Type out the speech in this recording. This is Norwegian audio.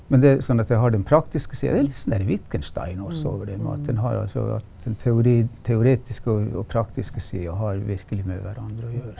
men det er sånn at jeg har den praktiske sida det er litt sånn derre Wittgenstein også over det at den har jo altså at at den teori teoretiske og og praktiske sida har virkelig med hverandre å gjøre.